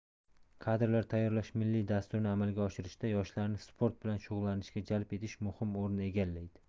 kadrlar tayyorlash milliy dasturini amalga oshirishda yoshlarni sport bilan shug'ullanishga jalb etish muhim o'rin egallaydi